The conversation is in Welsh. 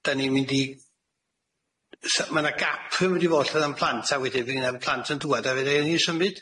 'dan i'n mynd i... Sy- ma' 'na gap yn mynd i fod lle fydd na'm plant, a wedyn fydd na'm plant yn dŵad, a fy' raid i ni symud